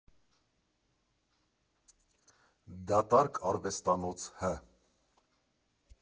Դատարկ արվեստանոց հ.